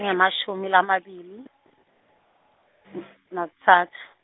ngemashumi lamabili , nakutsatfu.